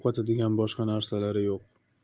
yo'qotadigan boshqa narsalari yo'q